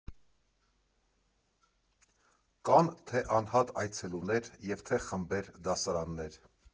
Կան թե՛ անհատ այցելուներ և թե՛ խմբեր, դասարաններ։